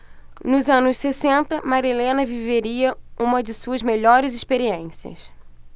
nos anos sessenta marilena viveria uma de suas melhores experiências